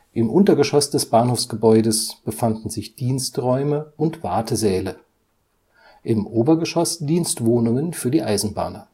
Im Untergeschoss des Bahnhofsgebäudes befanden sich Diensträume und Wartesäle, im Obergeschoss Dienstwohnungen für die Eisenbahner